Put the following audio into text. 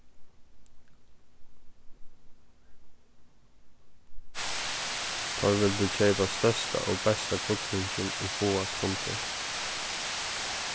teir vildu keypa størsta og besta gullringin ið fáast kundi